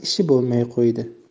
ishi bo'lmay qo'ydi